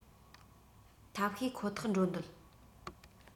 ཐབས ཤེས ཁོ ཐག འགྲོ འདོད